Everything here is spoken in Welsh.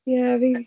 Ie fi...